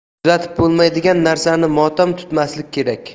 tuzatib bo'lmaydigan narsani motam tutmaslik kerak